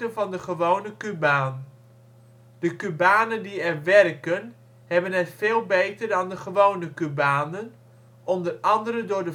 van de gewone Cubaan. De Cubanen die er werken hebben het veel beter dan de gewone Cubanen (onder andere door